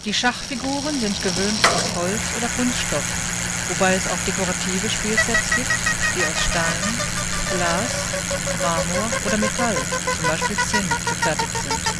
Schachfiguren sind gewöhnlich aus Holz oder Kunststoff, wobei es auch dekorative Spielsets gibt, die aus Stein, Glas, Marmor oder Metall (z. B. Zinn) gefertigt sind